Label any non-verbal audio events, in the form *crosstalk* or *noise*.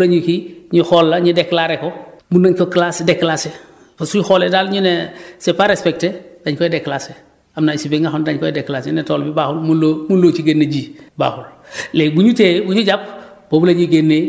comme sax boobu la ñuy kii ñu xool la ñu déclaré ko mën nañu ko classé déclassé suñu xoolee daal ñu ne c' est pas respecté dañu koy déclassé am na si bi nga xam ne dañu koy déclassé ñu ne tool bi baaxul ñu mënuloo mënuloo si génne ji baaxul *breath* léegi bu ñu téye bu ñu jàpp boobu la ñuy génnee